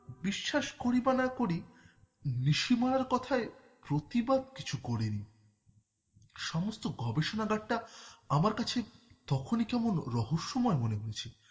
বিশ্বাস করি বা না করি নিশি মারার ক থায় প্রতিবাদ কিছু করিনি সমস্ত গবেষণাগার আমার কাছে তখনই কেমন রহস্যময় মনে হয়েছে